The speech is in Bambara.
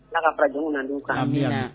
N ka fara jugu nadenw kanbi yan